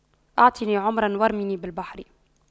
اعطني عمرا وارميني بالبحر